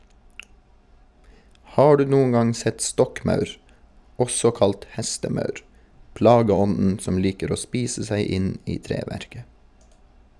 Har du noen gang sett stokkmaur, også kalt hestemaur, plageånden som liker å spise seg inn i treverket?